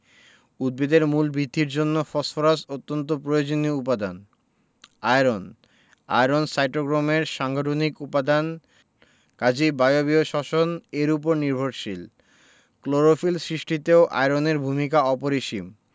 উদ্ভিদের মূল বৃদ্ধির জন্য ফসফরাস অত্যন্ত প্রয়োজনীয় উপাদান আয়রন আয়রন সাইটোক্রোমের সাংগঠনিক উপাদান কাজেই বায়বীয় শ্বসন এর উপর নির্ভরশীল ক্লোরোফিল সৃষ্টিতেও আয়রনের ভূমিকা অপরিসীম